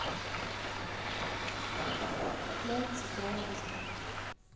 мультик радужная